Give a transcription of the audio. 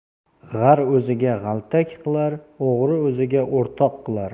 g'ar o'ziga g'altak qilar o'g'ri o'ziga o'rtoq qilar